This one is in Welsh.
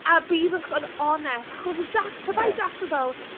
A byddwch yn onest, achos oedd J- pe bai Jaques oedd fel...